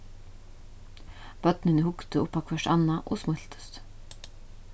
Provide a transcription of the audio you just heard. børnini hugdu upp á hvørt annað og smíltust